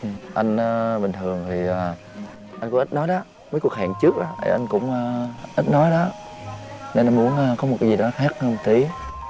anh bình thường thì anh cũng ít nói đó với cuộc hẹn trước anh cũng a ít nói đó nên anh muốn có một cái gì đó khác hơn tí